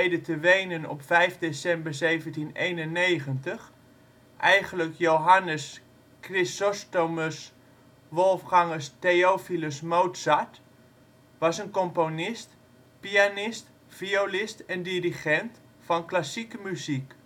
5 december 1791), eigenlijk Johannes Chrysostomus Wolfgangus Theophilus Mozart, was een componist, pianist, violist en dirigent van klassieke muziek